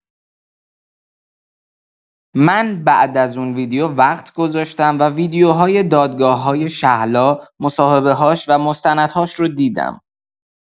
من‌بعد از اون ویدیو وقت گذاشتم و ویدیوهای دادگاه‌های شهلا، مصاحبه‌هاش و مستندهاش رو دیدم.